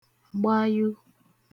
gbayụ